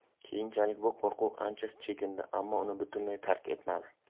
keyinchalik bu qo'rquv ancha chekindi ammo uni butunlay tark etmadi